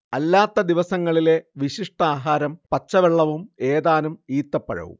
അല്ലാത്ത ദിവസങ്ങളിലെ വിശിഷ്ടാഹാരം പച്ചവെള്ളവും ഏതാനും ഈത്തപ്പഴവും